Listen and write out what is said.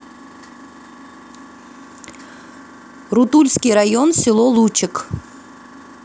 рутульский район село лучек